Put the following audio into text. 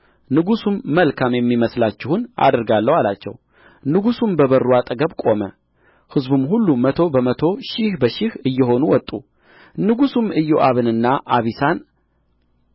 ንጉሡም መልካም የሚመስላችሁን አደርጋለሁ አላቸው ንጉሡም በበሩ አጠገብ ቆመ ሕዝቡም ሁሉ መቶ በመቶ ሺህ በሺህ እየሆኑ ወጡ ንጉሡም እዮአብንና አቢሳን